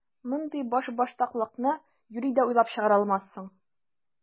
Мондый башбаштаклыкны юри дә уйлап чыгара алмассың!